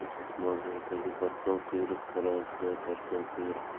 bozordagi botmon quyruq taroziga tortgan quyruq